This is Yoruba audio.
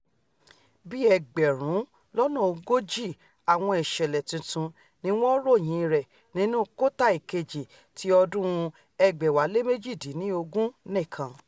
Bíi ẹgbẹ̀rún lọ́nà ogójì àwọn ìṣẹ̀lẹ̀ tuntun ni wọ́n ròyìn rẹ̀ nínú kọ́tà ìkejì ti ọdún 2018 nìkan.